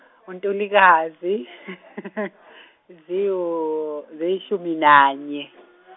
uNtulikazi ziwu- ziyishumi nanye .